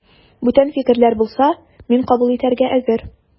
Бүтән фикерләр булса, мин кабул итәргә әзер.